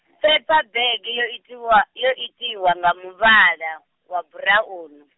phephabege yo itiwa, yo itiwa nga muvhala, wa buraunu.